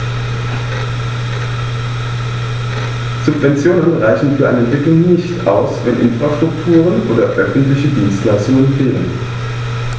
Subventionen reichen für eine Entwicklung nicht aus, wenn Infrastrukturen oder öffentliche Dienstleistungen fehlen.